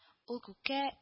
Ул күккә